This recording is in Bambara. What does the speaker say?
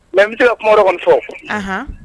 Mɛ n tila kuma kɔni fɔ